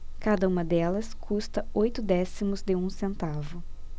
cada uma delas custa oito décimos de um centavo